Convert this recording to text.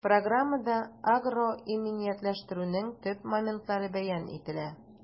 Программада агроиминиятләштерүнең төп моментлары бәян ителә.